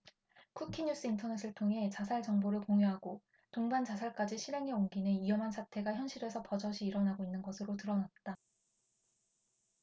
쿠키뉴스 인터넷을 통해 자살 정보를 공유하고 동반자살까지 실행에 옮기는 위험한 사태가 현실에서 버젓이 일어나고 있는 것으로 드러났다